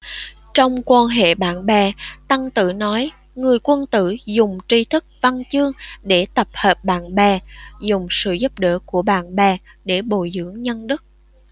trong quan hệ bạn bè tăng tử nói người quân tử dùng tri thức văn chương để tập hợp bạn bè dùng sự giúp đỡ của bạn bè để bồi dưỡng nhân đức